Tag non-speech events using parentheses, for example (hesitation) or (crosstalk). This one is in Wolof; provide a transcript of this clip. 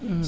(hesitation) (hesitation)